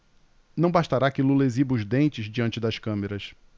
não bastará que lula exiba os dentes diante das câmeras